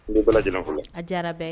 A jarabɛ